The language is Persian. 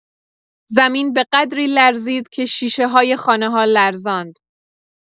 زمین به قدری لرزید که شیشه‌های خانه‌ها لرزاند.